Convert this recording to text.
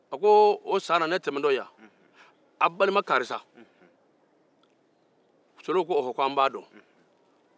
a ko o san na ne tɛmɛtɔ yan a balima karisa solow ko an b'a dɔn